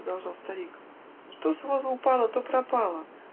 -- продолжал старик, -- что с возу упало, то пропало